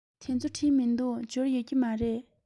དེ ཚོ བྲིས མི འདུག འབྱོར ཡོད ཀྱི རེད